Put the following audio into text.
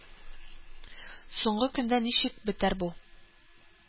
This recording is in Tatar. Соңгы көндә ничек бетәр бу